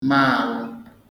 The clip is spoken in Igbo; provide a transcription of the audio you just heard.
ma àrụ